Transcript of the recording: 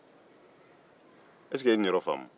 i ye nin yɔrɔ faamu wa